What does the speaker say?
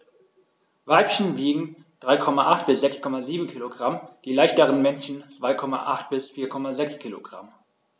Weibchen wiegen 3,8 bis 6,7 kg, die leichteren Männchen 2,8 bis 4,6 kg.